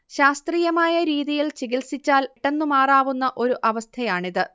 ശാസ്ത്രീയമായ രീതിയിൽ ചികിത്സിച്ചാൽ പെട്ടെന്നു മാറാവുന്ന ഒരു അവസ്ഥയാണിത്